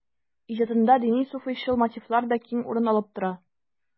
Иҗатында дини-суфыйчыл мотивлар да киң урын алып тора.